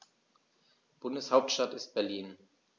Bundeshauptstadt ist Berlin.